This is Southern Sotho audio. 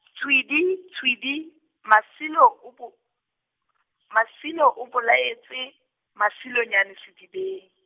tswidi, tswidi, Masilo o bo , Masilo o bolaetse Masilonyane sedibeng.